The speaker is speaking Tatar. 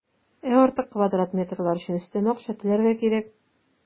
Ә артык квадрат метрлар өчен өстәмә акча түләргә кирәк.